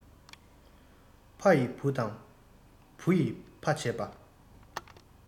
ཕ ཡིས བུ དང བུ ཡིས ཕ བྱེད པ